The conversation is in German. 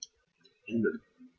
Ende.